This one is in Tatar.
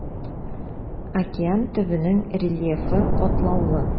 Океан төбенең рельефы катлаулы.